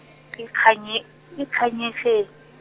ikganye-, ikganyese-.